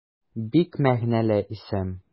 Бик мәгънәле исем.